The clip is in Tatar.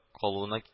Калуына